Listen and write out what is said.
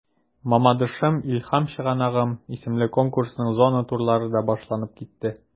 “мамадышым–илһам чыганагым” исемле конкурсның зона турлары да башланып китте.